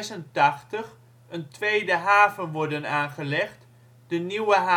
1886 een tweede haven worden aangelegd (de Nieuwe